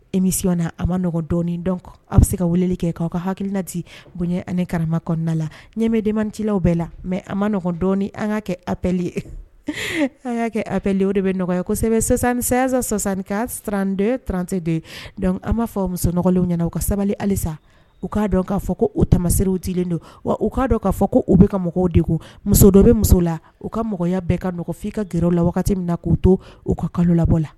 Emisiyna a maɔgɔn dɔn dɔn aw bɛ se ka weleli kɛ k'aw ka hakilinati bonya ani karama kɔnɔna la ɲɛmɛdentilaw bɛɛ la mɛ a maɔgɔndɔ an ka kɛ apli an y'a kɛpli o de bɛ nɔgɔya kosɛbɛsansan- sɔsanni ka srante trante de dɔnkuc an m maa fɔ musoɔgɔliw ɲɛna u ka sabali halisa u k kaa dɔn k kaa fɔ ko' u tama sew dilen don wa u k kaa dɔn k kaa fɔ ko' u bɛka ka mɔgɔw de ko muso dɔ bɛ muso la u ka mɔgɔya bɛɛ kaɔgɔnfin i ka g la wagati min na k'u to u ka kalo labɔ la